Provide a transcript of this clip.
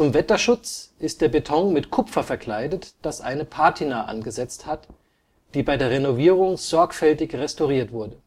Wetterschutz ist der Beton mit Kupfer verkleidet, das eine Patina angesetzt hat, die bei der Renovierung sorgfältig restauriert wurde